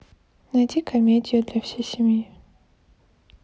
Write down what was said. найди комедию для всей семьи